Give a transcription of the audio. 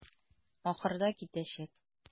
Ахырда китәчәк.